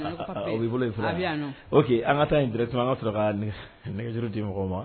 O' bolo in o que an ka taa nin dɛrɛ tun an ka sɔrɔ k' nɛgɛgejuru di mɔgɔ ma